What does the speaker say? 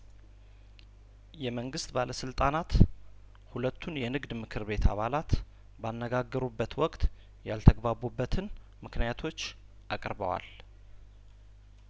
የመንግስት ባለስልጣናት ሁለቱን የንግድምክር ቤት አባላት ባነጋገሩበት ወቅት ያልተግባቡበትን ምክንያቶች አቅርበዋል